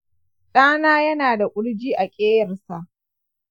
ɗana yana da ƙurji a keyarsa.